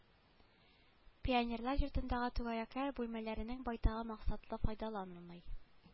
Пионерлар йортындагы түгәрәкләр бүлмәләренең байтагы максатлы файдаланылмый